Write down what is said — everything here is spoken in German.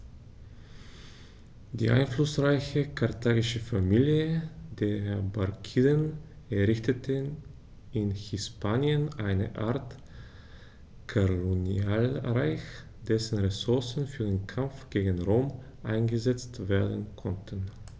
Die einflussreiche karthagische Familie der Barkiden errichtete in Hispanien eine Art Kolonialreich, dessen Ressourcen für den Kampf gegen Rom eingesetzt werden konnten.